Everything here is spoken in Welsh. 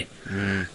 Hmm.